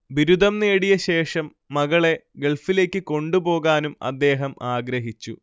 ബിരുദം നേടിയശേഷം മകളെ ഗൾഫിലേക്കു കൊണ്ടുപോകാനും അദ്ദേഹം ആഗ്രഹിച്ചു